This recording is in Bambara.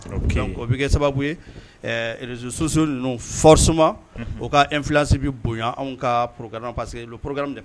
Bɛ kɛ sababu yerez soso ninnu fɔs o ka efisi bɛ bonya anw ka pk parce que porokkan de